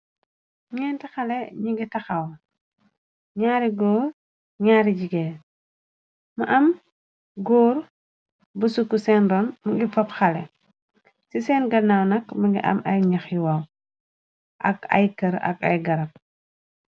ñeenti xale ñi ngi taxaw ñaari gór ñaari jigeel ma am góor bu sukku seen roon mngi popp xale ci seen gannaaw nak mëngi am ay ñaxiwaw ak ay kër ak ay garab